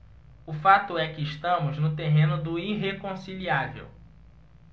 o fato é que estamos no terreno do irreconciliável